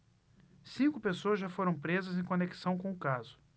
cinco pessoas já foram presas em conexão com o caso